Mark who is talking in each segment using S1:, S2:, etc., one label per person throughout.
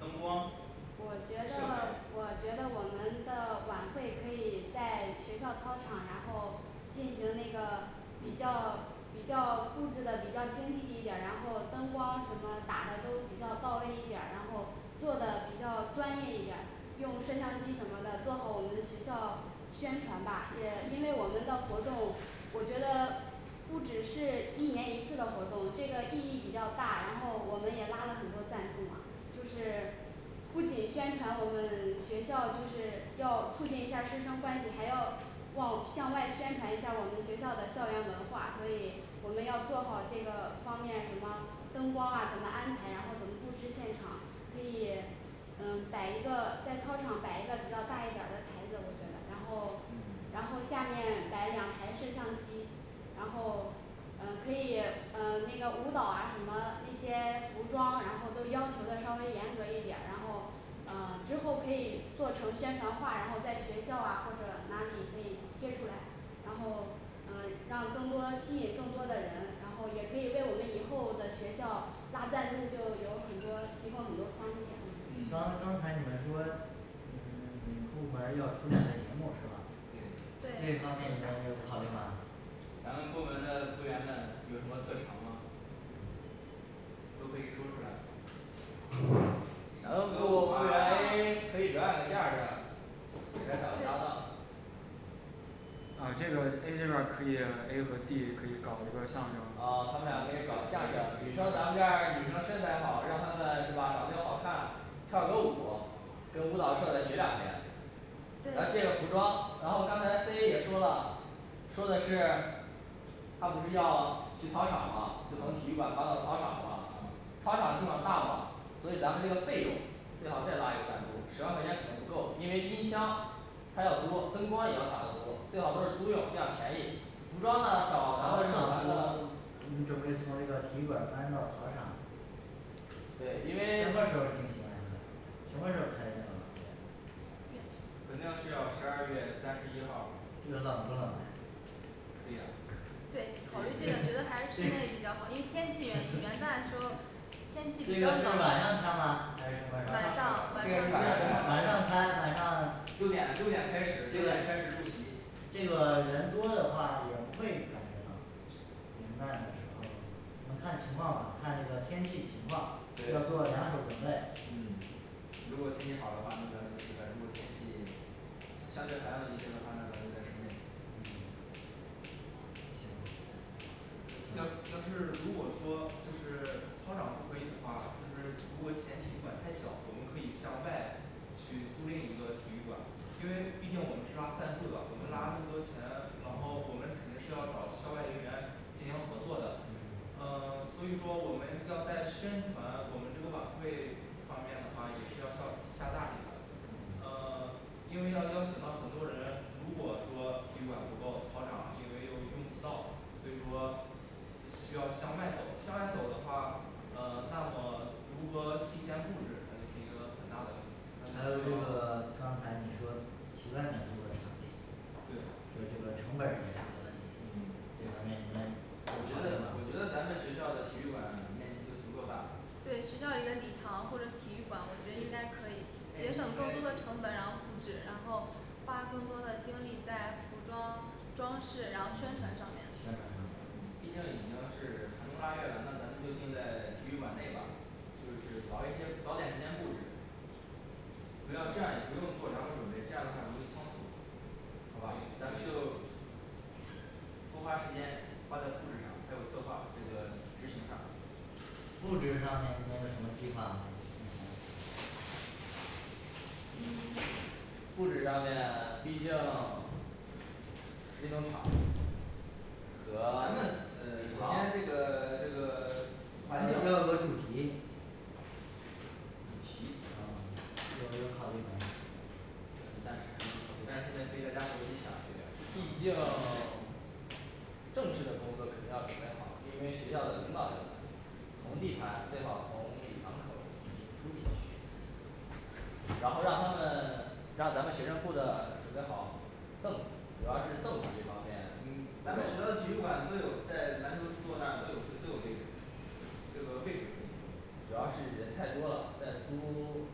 S1: 灯光
S2: 我觉
S1: 设
S2: 得
S1: 备
S2: 我觉得我们的晚会可以在学校操场然后进行那个比较比较
S1: 嗯
S2: 布置的比较精细一点，然后灯光什么打的都比较到位一点儿，然后做的比较专业一点儿，用摄像机什么的做好我们的学校宣传吧，也因为我们的活动，我觉得不只是一年一次的活动，这个意义比较大，然后我们也拉了很多赞助嘛，就是不仅宣传我们学校，就是要促进一下儿师生关系，还要外向外宣传一下儿我们学校的校园文化，所以我们要做好这个方面什么灯光怎么安排，然后怎么布置现场可以嗯摆一个在操场摆一个比较大一点儿的台子，我觉得，然后
S3: 嗯
S2: 然后下面摆两台摄像机然后嗯可以呃那个舞蹈啊什么那些服装，然后都要求的稍微严格一点儿，然后呃之后可以做成宣传画儿，然后在学校啊或者哪里可以贴出来然后呃让更多吸引更多的人，然后也可以为我们以后的学校拉赞助，就有很多提供很多方便
S4: 嗯刚刚才你们说嗯部门要出两个节目是吧？
S1: 对
S4: 这一方面你们有考虑吗？
S1: 咱们部门的部员们有什么特长吗？都可以说出来
S3: 然后部部员A可以表演个相儿声给他找个搭档
S1: 啊这个A这边儿可以A和D可以搞一段儿相声
S3: 啊他们俩可以搞相声女生咱们这儿女生身材好，让她们是吧长得又好看，跳个舞跟舞蹈社的学两天，然后借个服装，然后刚才C也说了，说的是她不是要去操场吗就从体育
S1: 啊
S3: 馆搬到操场了
S1: 啊
S3: 嘛操场的地方大嘛，所以咱们这个费用最好再拉一个赞助，十万块钱可能不够，因为音箱它要多，灯光也要打得多，最好都是租用这样便宜服装呢，找咱们社团的
S4: 你准备从这个体育馆搬到操场
S3: 对因
S4: 什
S3: 为
S4: 么时候儿进行安排什么时候儿开这个晚会
S1: 肯定是要十二月三十一号儿
S4: 就是冷不冷
S1: 对呀
S5: 对，我是觉得还是
S4: 这
S5: 室内比较好一下，因为
S4: 这
S5: 天气元 旦说天气
S1: 晚
S5: 晚
S1: 上
S5: 上
S1: 开吧
S5: 晚上
S4: 这个人多的话也不会感觉冷。元旦的时候儿你们看情况吧，看这个天气情况，要做
S6: 对
S4: 两手准备
S6: 嗯
S1: 如果天气好的话，那咱们就室外如果天气呃相对寒冷一些的话，那咱们在室内
S4: 嗯行
S7: 进行合作的
S3: 嗯，
S7: 呃所以说我们要在宣传我们这个晚会方面的话，也是要上下大力的
S3: 嗯
S7: 呃 因为要邀请到很多人，如果说体育馆不够，操场因为又用不到，所以说需要向外走，向外走的话呃那么如何提前布置那就是一个很大的问题。
S4: 还有这个刚才你说去外面租个场地
S2: 对
S6: 嗯
S7: 我觉得我觉得咱们学校的体育馆面积就足够大
S5: 装饰，然
S4: 嗯
S5: 后
S4: 宣
S5: 宣
S4: 传
S5: 传
S4: 上
S5: 上
S4: 面
S5: 面
S1: 嗯毕竟已经是寒冬腊月了，那咱们就定在体育馆内吧就是早一些早点时间布置主要这样儿也不用做两手准备，这样儿的话容易仓促好吧咱们就多花时间花在布置上，还有策划这个执行上
S4: 布置上面你们有什么计划没，目前
S5: 嗯
S3: 布置上面 毕竟 运动场和
S1: 咱们
S3: 礼
S1: 呃首
S3: 堂
S1: 先这个这个
S3: 环境
S1: 主
S4: 啊
S1: 题
S4: 有有考虑没
S3: 毕竟正式的工作肯定要准备好，因为学校的领导要来，红地毯最好从礼堂口儿一直铺进去然后让他们让咱们学生部的准备好，凳子主要是凳子这方面
S1: 嗯咱们学
S3: 坐
S1: 校体育馆都有，在篮球座儿那儿都有位置这个位置可以用
S3: 主要是人太多了，再租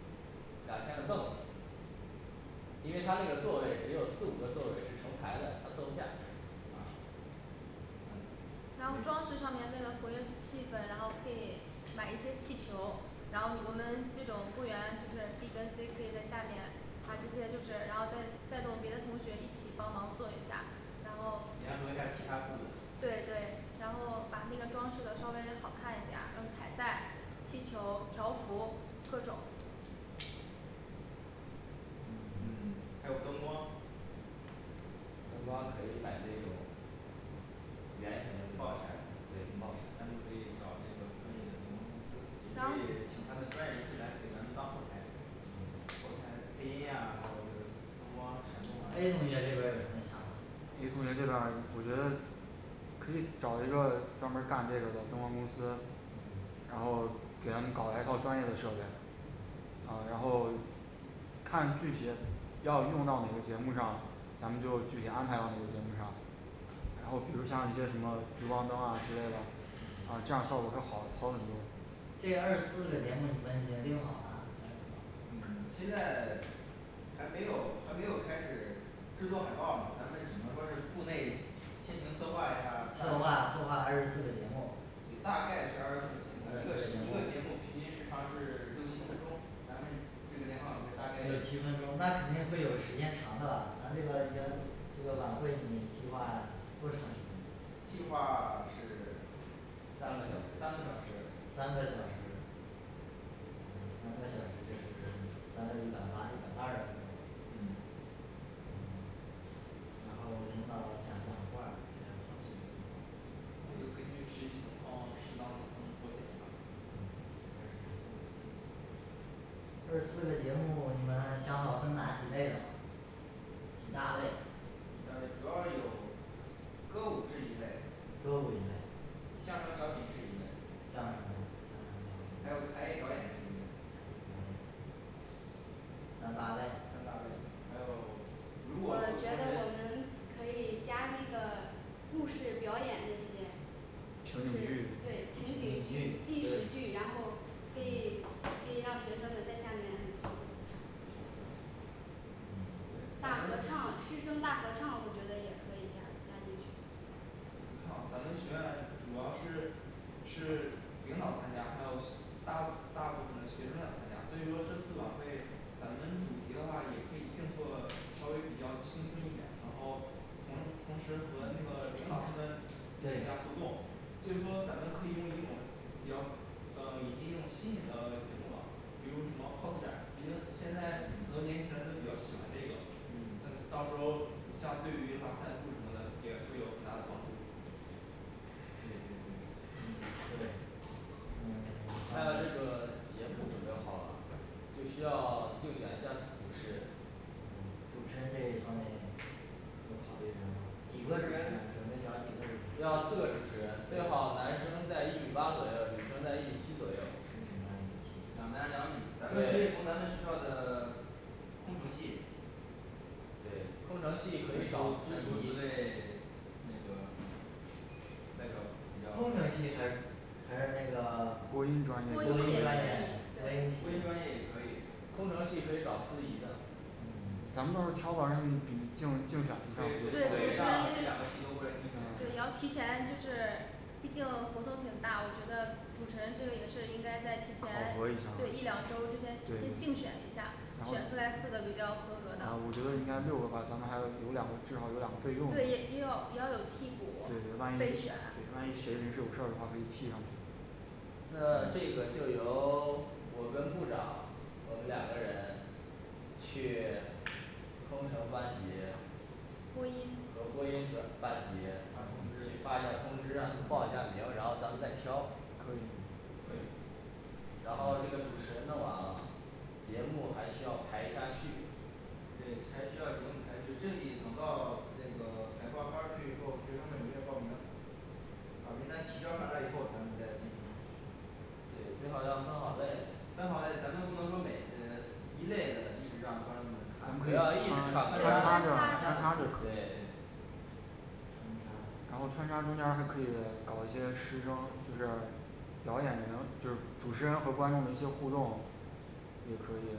S3: 两千个凳子因为他那个座位只有四五个座位是成排的，他坐不下
S4: 啊嗯
S1: 嗯
S5: 然后
S1: 联合一下儿其他部的
S5: 对对然后把那个装饰的稍微好看一点儿，就是彩带、气球、条幅各种
S1: 嗯
S4: 嗯
S1: 还有灯光
S3: 灯光可以买那种
S1: 爆闪咱们可以找那个专业的灯光公司，也可以请他们专业人士来给咱们当后台后台
S3: 嗯
S1: 配音呀，还有这个灯光
S4: A
S1: 闪动啊
S4: 同学这边儿有什么想法
S6: A同学这边儿我觉得
S4: 嗯嗯
S6: 啊然后看具体的要用到哪个节目上，咱们就具体安排到哪个节目上然后就像一些什么服装灯啊，啊
S4: 嗯
S6: 这样儿效果就好好很多
S1: 嗯现在还没有还没有开始制作海报儿，咱们只能说是部内先行策划一下
S4: 策
S1: 儿
S4: 划策划二十四个节目
S1: 对，大概是二十
S4: 二十
S1: 四
S4: 四
S1: 个节目，一个是一个
S4: 个节目
S1: 节目平均时长是六七分钟，咱们这个联欢晚会大概
S4: 六七分钟那肯定会有时间长的咱这个已经这个晚会你计划多长时间
S1: 计划是
S3: 三
S1: 三个
S3: 个
S1: 小
S3: 小时
S1: 时
S4: 三个小时嗯三个小时就是。三六一百八一百八十分钟
S1: 嗯
S4: 嗯二十四个节目二十四个节目你们想好分哪几类了吗？几大类？
S1: 大概主要有歌舞是一类
S4: 歌舞一类
S1: 相声小品是一类
S4: 相声一类还有
S1: 还有才艺表演是一类
S4: 才艺表演三大类
S1: 三大类还有如果
S2: 我
S1: 说有同
S2: 们
S1: 学
S2: 可以加那个故事表演那些
S1: 情
S2: 就是对
S1: 景剧
S2: 情
S4: 情
S2: 景剧
S4: 景
S2: 情
S4: 剧
S2: 景剧然后可以可以让学生们在下面大合唱师生大合唱，我觉得也可以这样加进去
S1: 好，咱们学院主要是是领导参加，还有大大部分的学生要参加，所以说这次晚会咱们主题的话也可以定做，稍微比较轻松一点儿然后同同时和那个指导师们进行一下
S4: 对
S1: 互动所以说咱们可以用一种比较呃引进一种新颖的节目嘛，比如什么cos展，毕竟现在很
S4: 嗯
S1: 多年轻人都比较喜欢这个
S4: 嗯
S7: 对对对
S4: 嗯对
S3: 还有这
S4: 嗯
S3: 个节目准备好了就需要竞选一下主持人
S4: 嗯主持人这一方面有考虑什么人吗几个主持人准备找几个人
S3: 要
S4: 主持人
S3: 四个主持人，最好男生在一米八左右女生在一米七左右
S4: 一
S1: 两
S4: 男一女
S1: 男两女咱们可以
S3: 对
S1: 从咱们学校的 空乘系
S3: 对，空乘系
S1: 选出
S3: 可
S1: 选
S3: 以找
S1: 出
S3: 司
S1: 四位
S3: 仪
S1: 那个代表比
S4: 空
S1: 较
S4: 乘系还
S6: 播音专业
S1: 播音专业也可以
S3: 空乘系可以找司仪的
S1: 可以对，
S3: 对
S1: 可以让这两个系都过来竞选一
S5: 对
S1: 下
S5: 要提前就是对也要也要有替补备选
S3: 那这个就由我跟部长我们两个人去空乘班级
S5: 播音
S3: 和播音专班级
S1: 发通
S3: 去
S1: 知
S3: 发一下通知，让他们报一下名，然后咱们再挑
S1: 嗯可以
S3: 然后这个主持人弄完了，节目还需要排一下序
S1: 对，还需要节目排序，这得等到这个海报儿发出去以后，学生们踊跃报名，把名单提交上来以后，咱们再进行排序
S3: 对，最好要分好类
S1: 分好类咱们不能说每呃一类的一直让观众们
S3: 不要一直
S1: 看
S3: 唱歌
S1: 穿插着
S3: 儿对
S6: 然后穿插中间儿还可以搞一些时装，就是导演就是主持人和观众一些互动也可以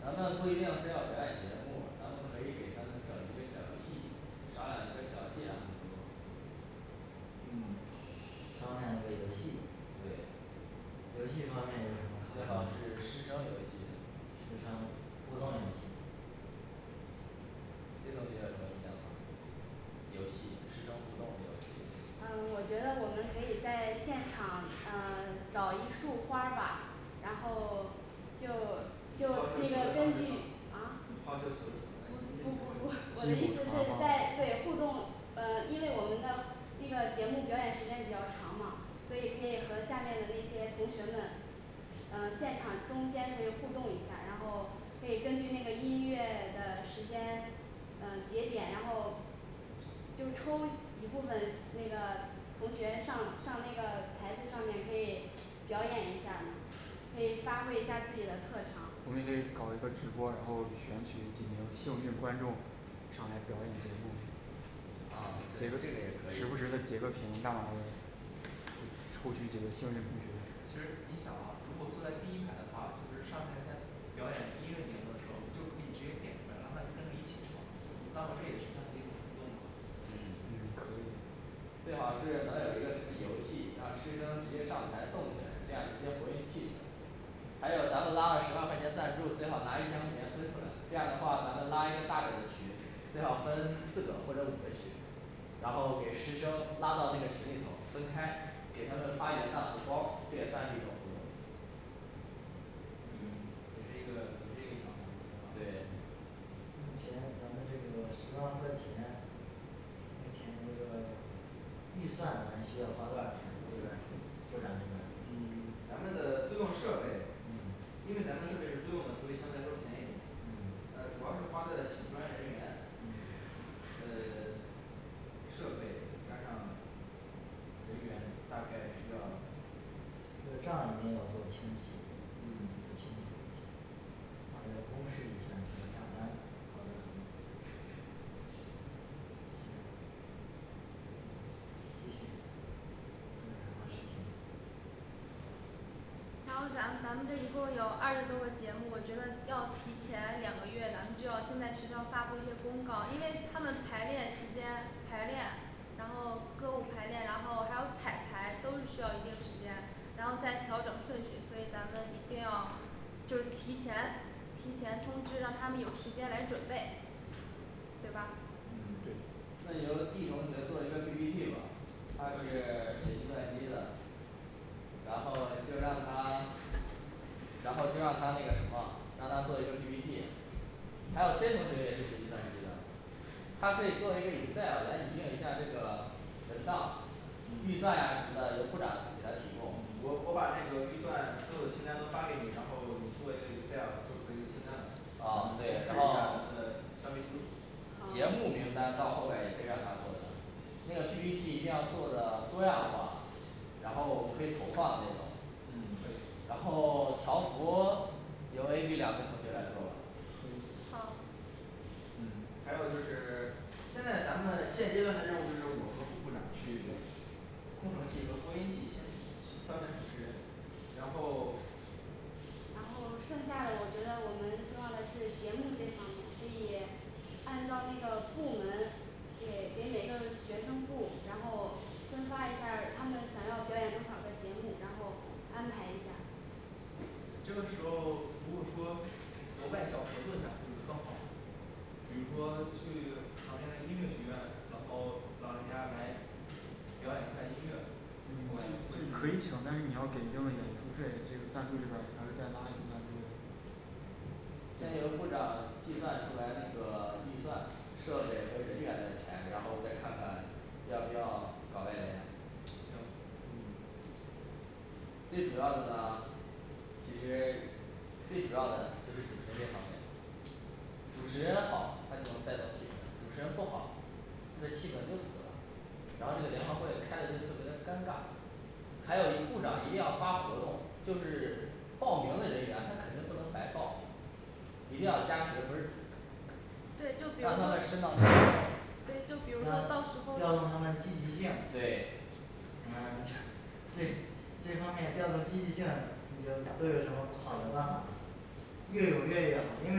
S3: 咱们不一定非要表演节目儿，咱们可以给他们整一个小游戏，商量一个小游戏让他们做
S4: 嗯商量一个游戏
S3: 对
S4: 游戏方面有什么
S3: 最好是师生游戏啊
S4: 师生互动游戏
S1: C同学有什么意见吗
S3: 游戏，师生互动的游戏
S2: 啊我觉得我们可以在现场呃找一束花儿吧，然后就就那个根据啊呃不不不 我的意思是在对互动呃因为我们的这个节目表演时间比较长嘛，所以可以和下面的那些同学们呃现场中间可以互动一下，然后可以根据那个音乐的时间呃节点，然后就抽一部分那个同学上上那个台子上面可以表演一下儿可以发挥一下儿自己的特长
S3: 啊对这个也可以
S7: 其实你想啊如果坐在第一排的话，就是上面在表演音乐节目的时候，就可以直接点出来让他跟着一起唱，那么这也是相当于一种互动嘛
S3: 嗯
S6: 嗯可以
S3: 最好是能有一个什么游戏让师生直接上台动起来，这样直接活跃气氛还有咱们拉了十万块钱赞助，最好拿一千块钱分出来，这样的话咱们拉一个大点儿的群最好分四个或者五个群，然后给师生拉到那个群里头分开给他们发元旦红包，这也算是一种互动
S1: 嗯也是一个也是一个想法也挺
S3: 对
S1: 好
S4: 目前咱们这个十万块钱，目前这个预算咱需要花多少钱，这边儿部长这边儿
S1: 咱们
S4: 嗯
S1: 的租用设备因为咱们设备是租用的，所以相对来说便宜一点
S4: 嗯
S1: 呃主要是花在了请专业人员
S4: 嗯
S1: 呃 设备加上人员大概需要嗯好的好的
S4: 行继续还有什么事情
S5: 提前就是让他们有时间来准备，对吧
S3: 嗯对那由D同学做一个P P T吧，他是 学计算机的，然后就让他然后就让他那个什么？让他做一个P P T，还有C同学也是学计算机的预算呀
S4: 嗯
S3: 什么的，由部长给他提供啊对然后节目名单到后面儿也可以让她做的那个P P T一定要做的多样化然后我们可以投放那种可以
S4: 嗯
S3: 然后条幅由A B两位同学来做吧
S5: 好
S1: 嗯还有就是现在咱们现阶段的任务就是我和副部长去空乘系和播音系先去去挑选主持人，然后
S2: 然后剩下的我觉得我们重要的是节目这一方面可以按照那个部门给给每个学生部，然后分发一下儿他们想要表演多少个节目，然后安排一下儿
S7: 这个时候如果说和外校合作一下儿，是不是更好呢比如说去旁边的音乐学院，然后让人家来表演一下儿音乐
S3: 先由部长计算出来那个 预算设备和人员的钱，然后再看看要不要搞外联
S1: 行
S4: 嗯
S3: 最主要的呢其实最主要的就是主持人这方面主持人好，他就能带动气氛，主持人不好他这气氛就死了然后这个联欢会开的就特别的尴尬。还有一部长一定要发活动就是报名的人员他肯定不能白报一定要加学分儿让他们生到那个活动里
S4: 要调动他们积极性
S3: 对
S4: 嗯全对这方面调动积极性有都有什么好的办法越踊跃越好，因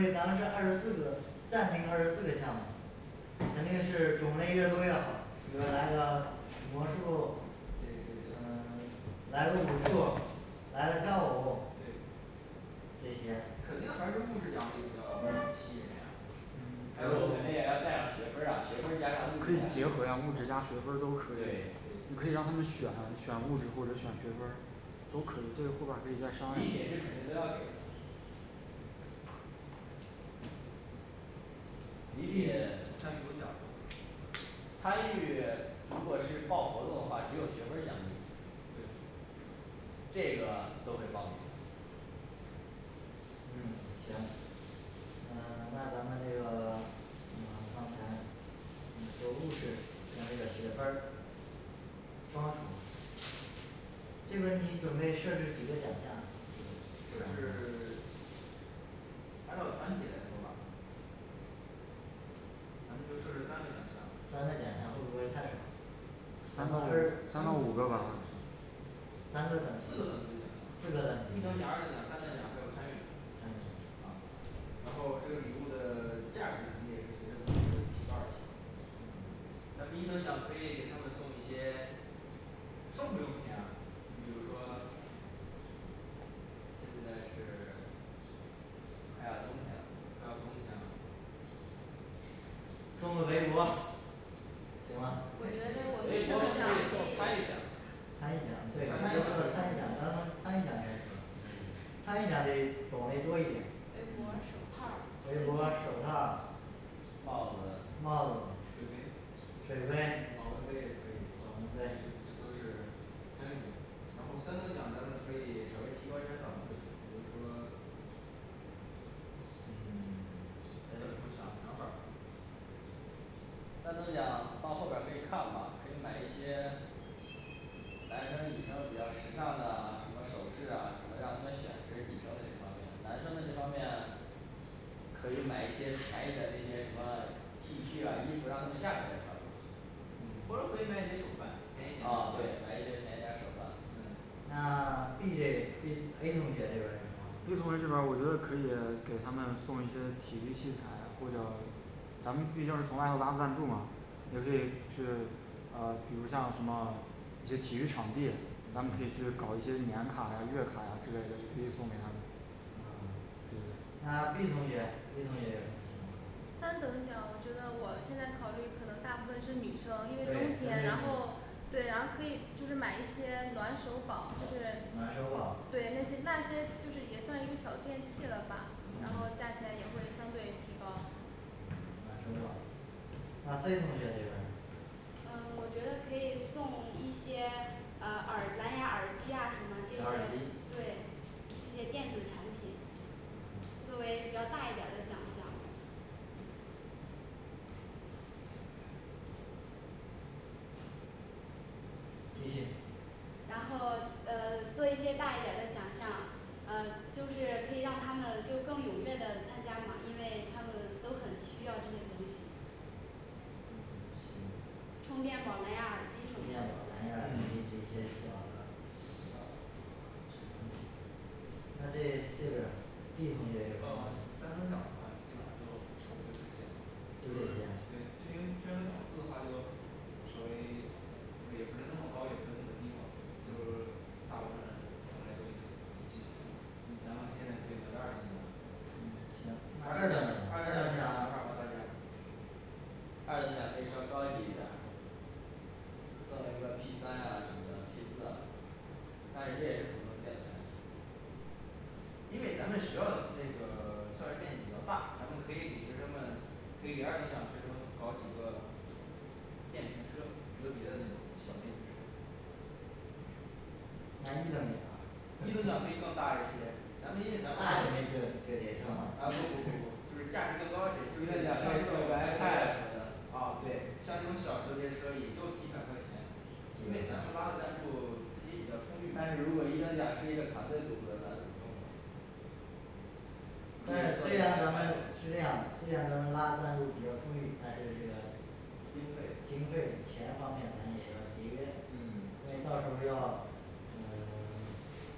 S4: 为咱们是二十四个暂定二十四个项目，肯定是种类越多越好比如来个魔术
S1: 对对对
S4: 嗯
S1: 对
S4: 来个武术，来个跳舞这些
S1: 肯定还是物质奖励比较吸引人呀
S3: 还有肯定也要带上学分儿啊学分儿加上物质奖励对礼品是肯定都要给的礼品参与如果是报活动的话，只有学分奖励
S7: 对
S3: 这个都会报名的
S4: 嗯行双重这边儿你准备设置几个奖项部长
S1: 设置 按照团体来说吧咱们就设置三个奖项
S4: 三个奖项会不会太少咱们二
S1: 三到五个吧四个等级的奖项一等奖、二等奖、三等奖还有参与奖啊然后这个礼物的价值肯定也是随着等级的一半儿吧
S4: 嗯
S1: 咱们一等奖可以给他们送一些生活用品啊你比如说现在是
S3: 快要冬天了
S1: 快要冬天了
S4: 送个围脖行吗
S2: 我觉得
S3: 围脖儿可以送参与奖嗯
S4: 参与奖得种类多一点围
S2: 围脖手套儿
S4: 脖手套儿
S3: 帽子
S4: 帽子
S7: 水杯
S4: 水杯保温杯
S1: 然后三等奖咱们可以稍微提高一下档次，比如说
S4: 嗯
S1: 呃有什么想想法儿
S3: 三等奖到后面儿可以看吧，可以买一些男生女生比较时尚的啊什么首饰啊什么让他们选，这是女生的这方面男生的这方面可以买一些便宜的那些什么T恤呀衣服，让他们夏天再穿吧
S4: 嗯
S1: 或者可以买一些手办便宜点
S3: 啊对
S1: 儿
S3: 买一些便宜点儿手办
S1: 嗯
S6: 那这
S4: 嗯
S6: 个是啊比如像什么一些体育场地，咱们可以去搞一些年卡月卡呀之类的推送给他们
S4: 啊
S6: 嗯
S5: 三等奖我觉得我现在考虑可能大部分是女生，因为
S4: 对
S5: 冬
S4: 针
S5: 天，
S4: 对
S5: 然
S4: 女
S5: 后 对然后可以就是买一些暖手宝就是
S4: 暖手宝
S5: 对，其实那些也算一个小电器了吧，然后
S4: 嗯
S5: 加起来也会相对提高
S4: 嗯暖手宝那C同学这边儿
S2: 呃我觉得可以送一些呃耳蓝牙耳机啊什么这
S4: 蓝牙耳
S2: 些。
S4: 机
S2: 对一些电子产品
S4: 嗯
S2: 作为比较大一点儿的奖项
S4: 继续
S2: 然后呃做一些大一点儿的奖项呃就是可以让他们就更踊跃的参加嘛，因为他们都很需要这些东西
S4: 嗯行
S2: 充电宝、蓝牙耳
S4: 充
S2: 机
S4: 电宝、蓝牙耳机
S3: 嗯
S4: 这些小的呃产品那这这边儿 D同学
S7: 呃三
S4: 有什么
S7: 等奖的话基本上都差不多
S4: 就
S7: 就
S4: 这
S7: 这
S4: 些
S7: 些吧对，因为这样档次的话就稍微对也不是那么高，也不是那么低嘛
S4: 嗯
S7: 大部分人大家都应该需要
S1: 嗯咱们现在可以聊聊二等奖二等奖有什么想法吗大家
S3: 二等奖可以稍高级一点儿赠一个P三呀什么的P四啊
S1: 因为咱们学校那个校园面积比较大，咱们可以给学生们可以给二等奖学生搞几个电瓶车折叠的那种小电瓶车
S4: 那一等奖呢
S1: 一等奖可以更大一些咱们因为咱们
S4: 大的那个折叠车
S1: 啊不不不
S4: 呢
S1: 不就是价值更高一
S3: 一
S1: 些
S3: 等奖可以赠一个ipad啊什么的
S1: 啊对像这种小折叠车也就几百块钱因为咱们拉了赞助资金比
S3: 但
S1: 较
S3: 是
S1: 充裕
S3: 如果一等奖是一个团队组合，咱怎么送呢
S4: 但虽然咱们是这样的，虽然咱们拉赞助比较充裕，但是这个
S3: 经费
S4: 经费钱方面咱也要节约
S3: 嗯，
S4: 因为到时候儿要嗯